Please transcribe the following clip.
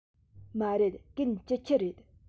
མ རེད གན སྐྱིད ཆུ རེད